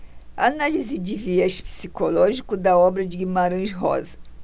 análise de viés psicológico da obra de guimarães rosa